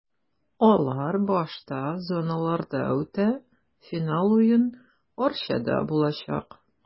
Алар башта зоналарда үтә, финал уен Арчада булачак.